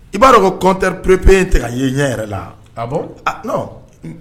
I b'a dɔn ko kɔnte ppy tigɛ ye ɲɛ yɛrɛ la a